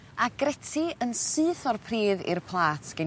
Agretti yn syth o'r pridd i'r plat gin...